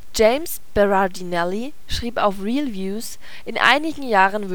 James Berardinelli schrieb auf ReelViews, in einigen Jahren